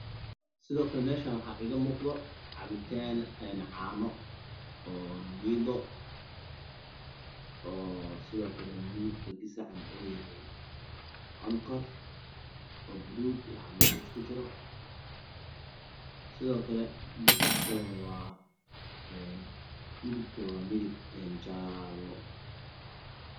Sidoo kale meeshaan waxaa iiga muuqda cabitaan caano oo niido oo sidoo kale midabkiisana uu yahay onkor oo buluug iyo cadaan isku jiro sidoo kale gasaca kale waa midabka waa midab jaale